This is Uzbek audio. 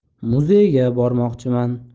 muzeyga bormoqchiman